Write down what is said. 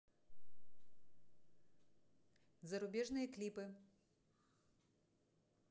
зарубежные клипы